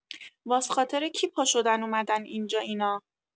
واس خاطر کی پا شدن اومدن اینجا اینا؟